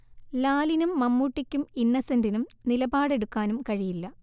ലാലിനും മമ്മൂട്ടിക്കും ഇന്നസെന്റിനും നിലപാട് എടുക്കാനും കഴിയില്ല